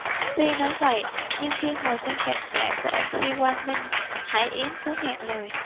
tuy nói vậy nhưng khi ngồi bên cạnh mẹ của mc quang minh hải yến cứ nghẹn lời